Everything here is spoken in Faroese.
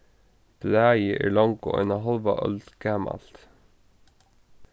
blaðið er longu eina hálva øld gamalt